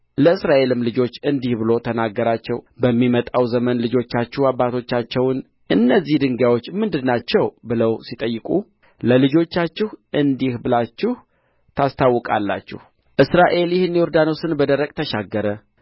ለእስራኤልም ልጆች እንዲህ ብሎ ተናገራቸው በሚመጣው ዘመን ልጆቻችሁ አባቶቻቸውን እነዚህ ድንጋዮች ምንድር ናቸው ብለው ሲጠይቁ ለልጆቻችሁ እንዲህ ብላችሁ ታስታውቃላችሁ እስራኤል ይህን ዮርዳኖስን በደረቅ ተሻገረ